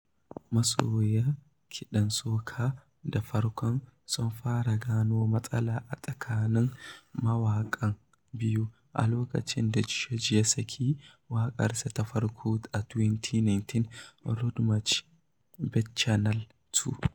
Masoya kiɗan soca da farkon sun fara gano matsala a tsakanin mawaƙan biyu a lokacin da George ya saki waƙarsa ta farko a 2019, "Road March Bacchanal 2".